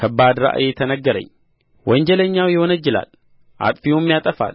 ከባድ ራእይ ተነገረኝ ወንጀለኛው ይወነጅላል አጥፊውም ያጠፋል